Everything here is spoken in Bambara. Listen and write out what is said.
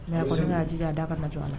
Mɛ a ko a ji a d da ka cogoya a la